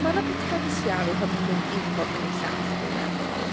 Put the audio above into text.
Ma' na potensial i hwn mynd un ffordd neu'r llall dwi'n meddwl.